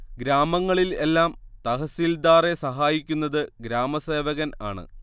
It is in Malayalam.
ഗ്രാമങ്ങളിൽ എല്ലാം തഹസിൽദാറെ സഹായിക്കുന്നത് ഗ്രാമസേവകൻ ആണ്